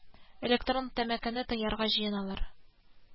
Ул Чаллы академиясендә белем ала.